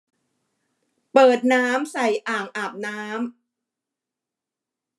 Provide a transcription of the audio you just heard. เปิดน้ำใส่อ่างอาบน้ำ